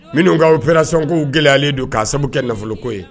Minnu'aw pɛrackow gɛlɛ don k'a sababu kɛ nafoloko ye